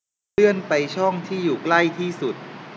เลื่อนไปที่ช่องที่อยู่ใกล้ที่สุด